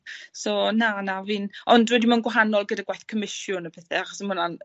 so na na fi'n... Ond wedyn ma'n gwahanol gyda gwaith comisiwn a pethe achos ma' wnna'n